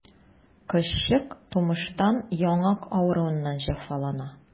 Кызчык тумыштан яңак авыруыннан җәфалана.